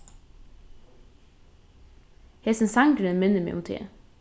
hesin sangurin minnir meg um teg